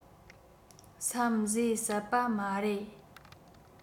བསམ བཟོས བསད པ མ རེད